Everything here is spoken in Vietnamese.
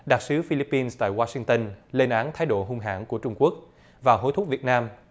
đặc sứ phi líp pin tại goai sinh tơn lên án thái độ hung hãn của trung quốc và hối thúc việt nam